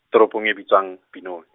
toropong e bitswang, Benoni.